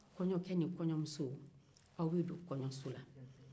kɔjɔkɛ ni kɔɲɔmuso bɛ don kɔɲɔso la